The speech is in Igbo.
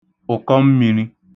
ụ̀kọmmīṙī